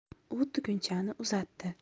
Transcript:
u tugunchani uzatdi